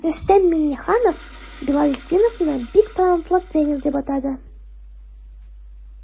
Рөстәм Миңнеханов Билалетдиновны бик талантлы тренер дип атады.